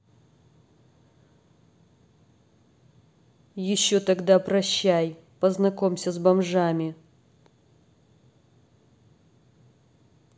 еще тогда прощай познакомься с бомжами